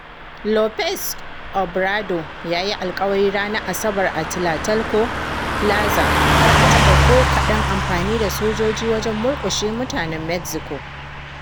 Lopez Obrador ya yi alkawari ranar Asabar a Tlatelolco Plaza “kar a taɓa ko kaɗan amfani da sojoji wajen murƙushe mutanen Mexico.”